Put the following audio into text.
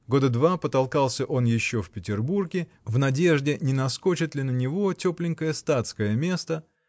Года два потолкался он еще в Петербурге, в надежде, не наскочит ли на него тепленькое статское место